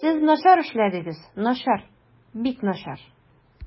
Сез начар эшләдегез, начар, бик начар.